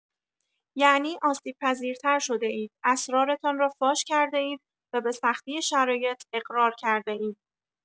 یعنی آسیب‌پذیرتر شده‌اید، اسرارتان را فاش کرده‌اید و به‌سختی شرایط اقرار کرده‌اید.